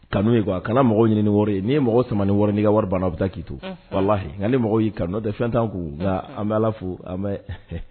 Kanu ye kuwa a kana mɔgɔw ɲini wari ye ni ye mɔgɔ samani wari ni ka wari bana u bɛ taa k'i to walahi nka ni mɔgɔ y'i kanu nɔ tɛ fɛn tan kun nka an bɛ Ala fo an bɛ